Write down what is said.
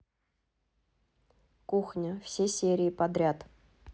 кухня все серии подряд